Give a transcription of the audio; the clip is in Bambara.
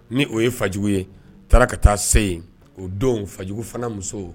Ni o ye fajugu ye taara ka taa se yen o don fajugu fana musow